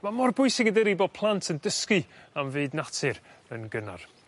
Ma' mor bwysig yndydi bo' plant yn dysgu am fyd natur yn gynnar.